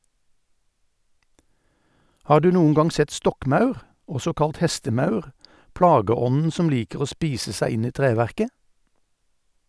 Har du noen gang sett stokkmaur , også kalt hestemaur, plageånden som liker å spise seg inn i treverket?